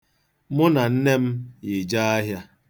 Mụ na nne m yị jee ahịa.